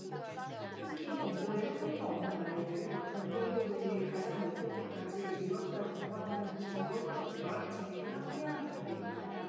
특히 공부에 흥미가 없는 아이들은 공부 효율이 가장 높을 때까지 미뤘다 공부한다는 식으로 벼락치기를 합리화하는 일이 많다